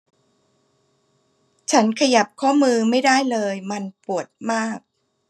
ฉันขยับข้อมือไม่ได้เลยมันปวดมาก